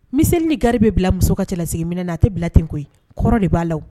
Miseli ni gaari bɛ bila muso ka cɛlasigiminɛ na, a tɛ bila ten koyi, kɔrɔ de b'a la.